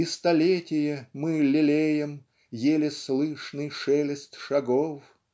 И столетие мы лелеем Еле слышный шелест шагов.